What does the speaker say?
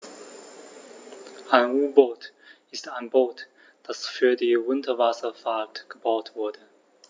Ein U-Boot ist ein Boot, das für die Unterwasserfahrt gebaut wurde.